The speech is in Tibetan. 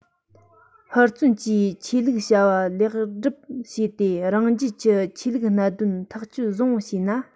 ཧུར བརྩོན གྱིས ཆོས ལུགས བྱ བ ལེགས སྒྲུབ བྱས ཏེ རང རྒྱལ གྱི ཆོས ལུགས གནད དོན ཐག གཅོད བཟང པོ བྱས ན